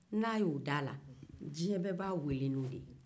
ni a ye o da a la diɲɛ bɛɛ b'a weele ni o de ye